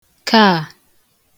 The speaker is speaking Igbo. ka